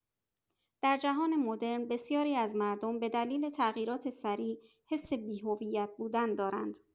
در جهان مدرن، بسیاری از مردم به دلیل تغییرات سریع، حس بی‌هویت بودن دارند.